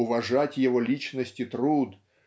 уважать его личность и труд